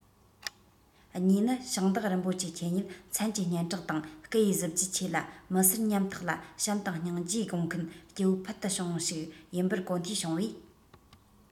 གཉིས ནི ཞིང བདག རིན པོ ཆེ ཁྱེད ཉིད མཚན གྱི སྙན གྲགས དང སྐུ ཡི གཟི བརྗིད ཆེ ལ མི སེར ཉམ ཐག ལ བྱམས དང སྙིང རྗེ དགོངས མཁན སྐྱེ བོ ཕུལ དུ བྱུང ཞིག ཡིན པར གོ ཐོས བྱུང བས